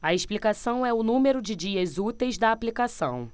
a explicação é o número de dias úteis da aplicação